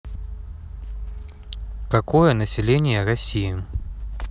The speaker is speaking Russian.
какое население россии